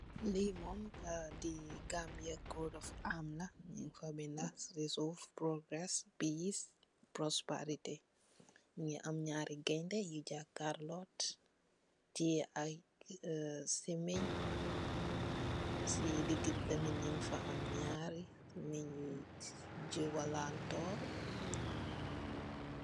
Li mom di Gambia code of am la nung fa benda si suuf progress peace prosperity mogi am naari gainde yu gakalo tiyeh ay seemen si digi am mogi am naari niit yu juwalanto.